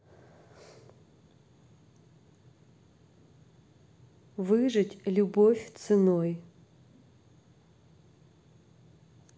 выжить любовь ценой